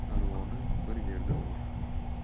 kayvoni bir yerda bor